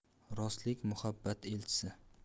rostlik muhabbat elchisi